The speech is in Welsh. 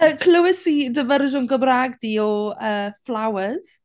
yy clywais i dy fersiwn Gymraeg di o yy Flowers.